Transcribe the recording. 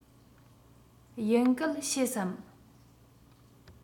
དབྱིན སྐད ཤེས སམ